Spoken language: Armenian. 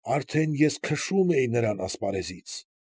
Արդեն ես քշում էի նրան ասպարեզից։